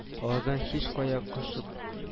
Алардан һичкая качып